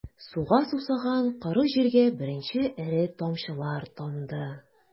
Суга сусаган коры җиргә беренче эре тамчылар тамды...